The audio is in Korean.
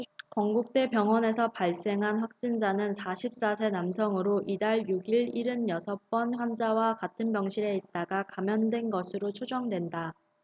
건국대병원에서 발생한 확진자는 사십 사 세 남성으로 이달 육 일 일흔 여섯 번 환자와 같은 병실에 있다가 감염된 것으로 추정된다